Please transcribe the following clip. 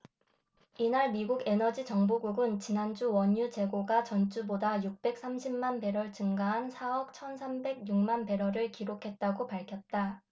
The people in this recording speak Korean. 이날 미국 에너지정보국은 지난주 원유 재고가 전주보다 육백 삼십 만 배럴 증가한 사 억 천 삼백 여섯 만배럴을 기록했다고 밝혔다